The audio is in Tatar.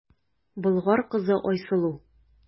Болгар кызы Айсылу.